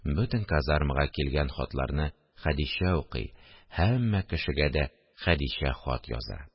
Бөтен казармага килгән хатларны Хәдичә укый, һәммә кешегә дә Хәдичә хат яза